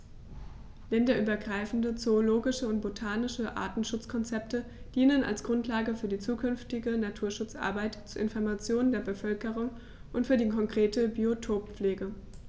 Länderübergreifende zoologische und botanische Artenschutzkonzepte dienen als Grundlage für die zukünftige Naturschutzarbeit, zur Information der Bevölkerung und für die konkrete Biotoppflege.